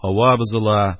Һава бозыла,